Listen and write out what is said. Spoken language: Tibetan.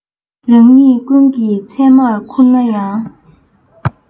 རང ཉིད ཀུན གྱིས ཚད མར ཁུར ན ཡང